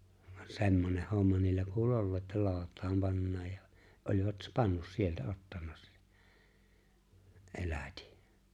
vaan semmoinen homma niillä kuuli olleen - että lootaan pannaan ja olivat pannut sieltä ottanut se elätin